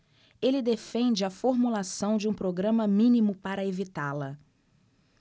ele defende a formulação de um programa mínimo para evitá-la